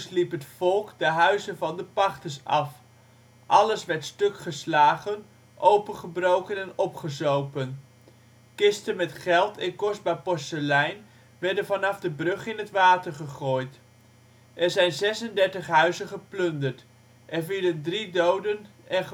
liep het volk de huizen van de pachters af. Alles werd stukgeslagen, opengebroken en opgezopen. Kisten met geld en kostbaar porselein werden vanaf de brug in het water gegooid. Er zijn 36 huizen geplunderd. Er vielen drie doden en daarnaast gewonden